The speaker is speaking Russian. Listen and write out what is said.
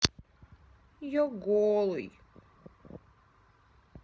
я голый